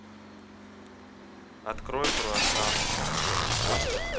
открой круассан